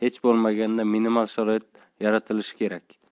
uchun hech bo'lmaganda minimal sharoit yaratilishi kerak